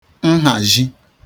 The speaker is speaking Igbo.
nhazhi